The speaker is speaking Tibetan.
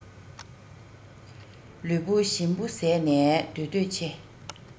ལུས པོ ཞིམ པོ བཟས ནས སྡོད འདོད ཆེ